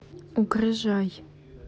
угрожай